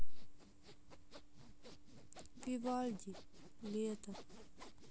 вивальди лето